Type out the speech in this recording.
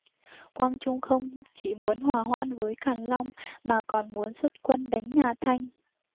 quang trung không chỉ muốn hòa hoãn với càn long mà còn muốn xuất quân đánh nhà thanh